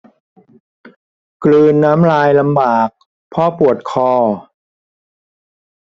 กลืนน้ำลายลำบากเพราะปวดคอ